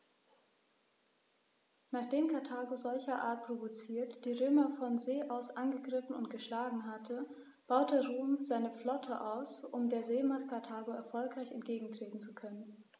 Nachdem Karthago, solcherart provoziert, die Römer von See aus angegriffen und geschlagen hatte, baute Rom seine Flotte aus, um der Seemacht Karthago erfolgreich entgegentreten zu können.